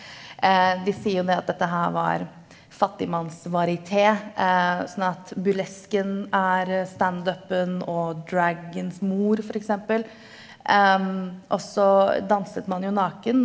de sier jo det at dette her var fattigmannsvarieté sånn at burlesken er standupen og dragens mor for eksempel, og så danset man jo naken.